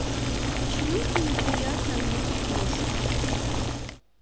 почему ты неприятно мне слушать